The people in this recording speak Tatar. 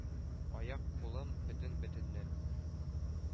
Аяк-кулым бөтен бөтенен,